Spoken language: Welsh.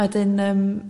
a 'dyn yym